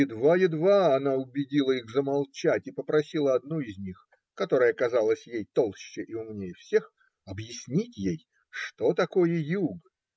Едва-едва она убедила их замолчать и попросила одну из них, которая казалась ей толще и умнее всех, объяснить ей, что такое юг.